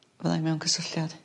Fyddai mewn cysylltiad